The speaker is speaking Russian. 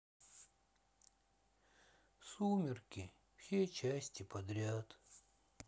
сумерки все части подряд